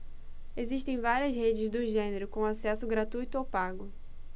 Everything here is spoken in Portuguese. existem várias redes do gênero com acesso gratuito ou pago